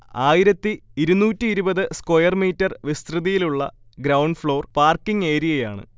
ആയിരത്തി ഇരുന്നൂറ്റി ഇരുപത് സ്ക്വയർ മീറ്റർ വിസ്തൃതിയിലുള്ള ഗ്രൗണ്ട് ഫ്ളോർ പാർക്കിങ് ഏരിയയാണ്